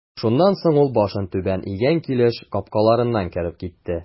Шуннан соң ул башын түбән игән килеш капкаларыннан кереп китте.